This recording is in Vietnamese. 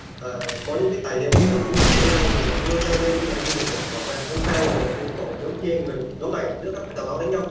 ờ có những tài liệu rồi là cung cấp cho nhau rồi đưa nhau lên như là anh hùng ý bảo vệ ông ca người này đứng bảo vệ nhóm kia người nhóm này giữa các tờ báo đánh nhau